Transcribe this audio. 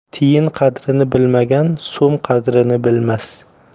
tiyin qadrini bilmagan so'm qadrini bilmas